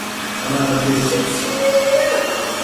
Ond na nath 'i... Sut ti'n neud ynna?